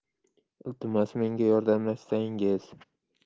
iltimos menga yordamlashsangiz